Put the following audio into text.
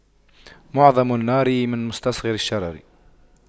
معظم النار من مستصغر الشرر